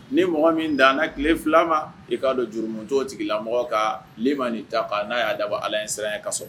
Ni mɔgɔ min dan tile fila ma i k'a don jurucogo tigi la mɔgɔ ka le ma nin ta n'a y'a daba ala ye siran ye ka so